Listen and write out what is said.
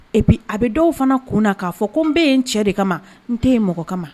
Bi a bɛ dɔw fana ko na k'a fɔ ko n bɛɛ n cɛ de kama n tɛ yen mɔgɔ kama